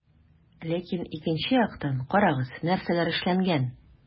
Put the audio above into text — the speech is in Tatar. Ләкин икенче яктан - карагыз, нәрсәләр эшләнгән.